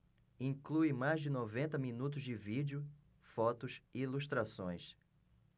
inclui mais de noventa minutos de vídeo fotos e ilustrações